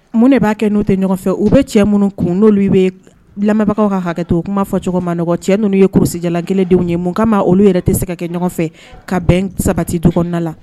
Mun de b'a kɛ n'u tɛ ɲɔgɔn fɛ u bɛ cɛ minnu kun n'olu bɛ lamɛnbagaw ka hakɛ o u kuma fɔcogoma nɔgɔ cɛ n ninnuu ye kurujalan kelendenw ye mun ka ma olu yɛrɛ tɛ sɛgɛ kɛ ɲɔgɔnfɛ ka bɛn sabati dɔgɔn la